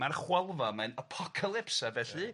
ma'n chwalfa, mae'n apocalypse a felly